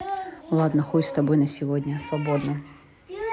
ладно хуй с тобой на сегодня свободно